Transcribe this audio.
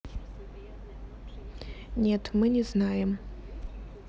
нет мы не знаем